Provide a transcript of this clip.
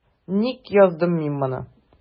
Ник яздым мин моны?